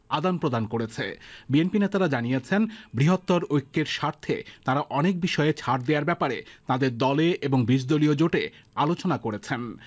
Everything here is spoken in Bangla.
আদান প্রদান করেছে বি এনপি নেতারা জানিয়েছেন বৃহত্তর ঐক্যের স্বার্থে তারা অনেক বিষয়ে ছাড় দেয়ার ব্যাপারে তাদের দলে এবং ২০ দলীয় জোটে আলোচনা করেছেন